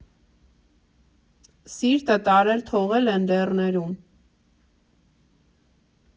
Սիրտը տարել՝ թողել են լեռներում։